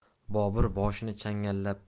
bobur boshini changallab